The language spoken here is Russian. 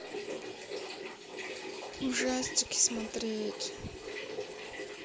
ужастики смотреть